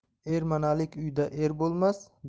ermanalik uyda er o'lmas